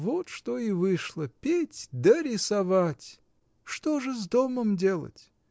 Вот что и вышло: петь да рисовать! — Что же с домом делать?